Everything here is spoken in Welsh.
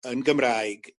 yn Gymraeg